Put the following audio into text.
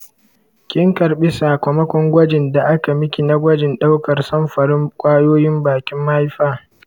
kin karbi sakamakon gwajin da aka miki na gwajin daukar samfurin kwayoyin bakin mahaifa?